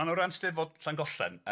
Ond o ran 'Steddfod Llangollen... Ia.